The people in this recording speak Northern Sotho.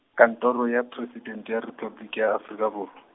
Kantoro ya Presidente ya Repabliki ya Afrika Bor- .